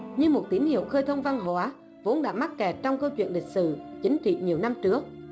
như một tín hiệu khơi thông văn hóa vốn đã mắc kẹt trong câu chuyện lịch sử chính trị nhiều năm trước